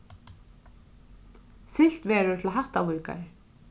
siglt verður til hattarvíkar